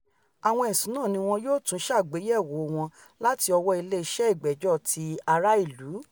Àwọn ẹ̀sùn náà ni wọ́n yóò tún ṣàgbéyẹ̀wò wọn láti ọwọ́ Ilé Iṣẹ́ Ìgbẹ́jọ́ ti Ara Ìlú.